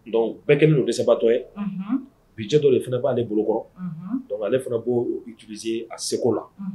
Don bɛɛ kɛlen de sababatɔ ye bijɛ dɔ de fana b'aale bolokɔrɔ dɔnku ne fana' bɛ juru a seguko la